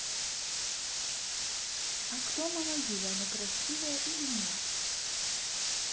а кто мама юля она красивая или нет